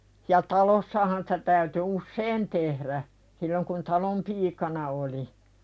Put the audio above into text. ja talossahan sitä täytyi usein tehdä silloin kun talon piikana oli